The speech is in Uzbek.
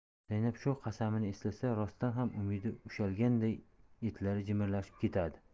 zaynab shu qasamini eslasa rostdan ham umidi ushalganday etlari jimirlashib ketadi